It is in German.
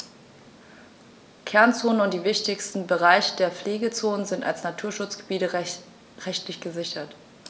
Kernzonen und die wichtigsten Bereiche der Pflegezone sind als Naturschutzgebiete rechtlich gesichert.